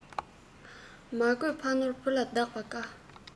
མ བཀོད ཕ ནོར བུ ལ བདག པ དཀའ